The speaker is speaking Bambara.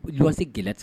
U wansi gɛlɛtigɛ